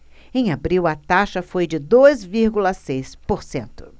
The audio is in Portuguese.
em abril a taxa foi de dois vírgula seis por cento